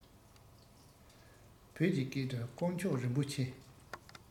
བོད ཀྱི སྐད དུ དཀོན མཆོག རིན པོ ཆེ